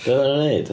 Be oeddan nhw'n neud?